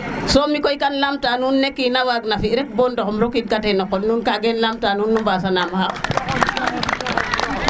so mi koy kam lam ta nuun ne kina waag na fi bo ndoxume rokid kate na qol nuun kagem laam ta nuun nu mbasa nam xaq